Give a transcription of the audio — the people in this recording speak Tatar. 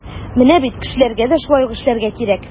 Менә бит кешеләргә дә шулай ук эшләргә кирәк.